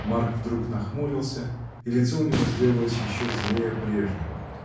Марк вдруг нахмурился, и лицо у него сделалось еще злее прежнего.